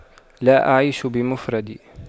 لا أعيش بمفردي